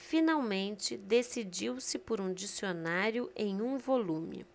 finalmente decidiu-se por um dicionário em um volume